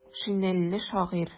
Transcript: Шинельле шагыйрь.